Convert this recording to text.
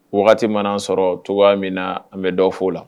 Wagati manan sɔrɔ cogoya min na an bi dɔ fo la.